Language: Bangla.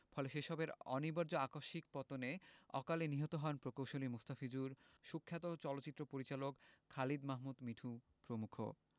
ফলে সে সবের অনিবার্য আকস্মিক পতনে অকালে নিহত হন প্রকৌশলী মোস্তাফিজুর সুখ্যাত চলচ্চিত্র পরিচালক খালিদ মাহমুদ মিঠু প্রমুখ